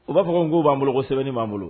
U b'a fɔ n' b'an bolo ko sɛbɛn b'an bolo